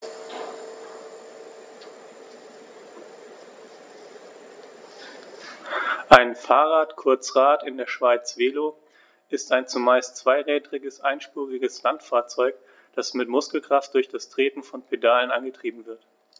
Ein Fahrrad, kurz Rad, in der Schweiz Velo, ist ein zumeist zweirädriges einspuriges Landfahrzeug, das mit Muskelkraft durch das Treten von Pedalen angetrieben wird.